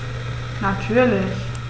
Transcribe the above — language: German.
Natürlich.